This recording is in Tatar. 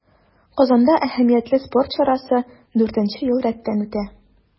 Казанда әһәмиятле спорт чарасы дүртенче ел рәттән үтә.